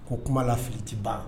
Ko kuma lafili tɛ ban